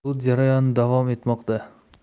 sud jarayoni davom etmoqda